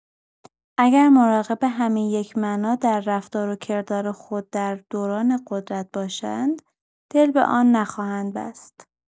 اگر مراقب همین یک معنا در رفتار و کردار خود در دوران قدرت باشند، دل به آن نخواهند بست